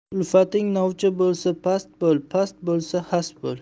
ulfating novcha bo'lsa past bo'l past bo'lsa xas bo'l